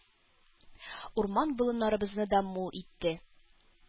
Урман-болыннарыбызны да мул итте,